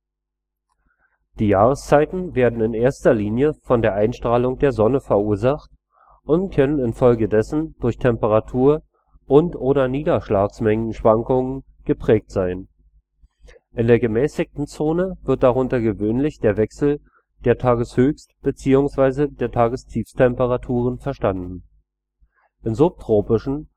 Die Jahreszeiten werden in erster Linie von der Einstrahlung der Sonne verursacht und können infolgedessen durch Temperatur - und/oder Niederschlagsmengenschwankungen geprägt sein. In der gemäßigten Zone wird darunter gewöhnlich der Wechsel der Tageshöchst - bzw. Tagestiefsttemperaturen verstanden. In subtropischen